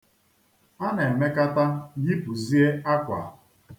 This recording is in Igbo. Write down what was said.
A na-emekata yipuzie akwa.